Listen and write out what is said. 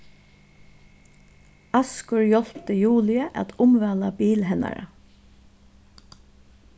askur hjálpti juliu at umvæla bil hennara